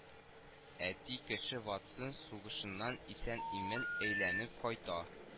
Әти кеше Ватсын сугышыннан исән-имин әйләнеп кайта